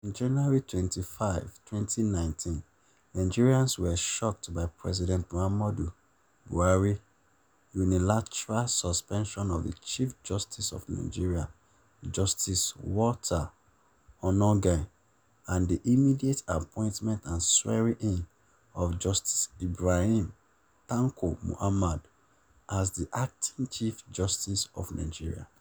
On January 25, 2019, Nigerians were shocked by President Muhammadu Buhari’s unilateral suspension of the Chief Justice of Nigeria Justice Walter Onnoghen, and the immediate appointment and swearing in of Justice Ibrahim Tanko Muhammad, as the acting Chief Justice of Nigeria (CJN).